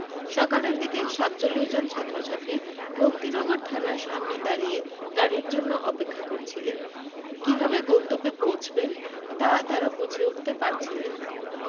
সকালের দিকে সাতচল্লিশ জন ছাত্রছাত্রী ভক্তিনগর থানার সামনে দাঁড়িয়ে গাড়ীর জন্য অপেক্ষা করছিলেন কী ভাবে গন্তব্যে পৌঁছবেন তা তাঁরা বুঝে উঠতে পারছিলেন না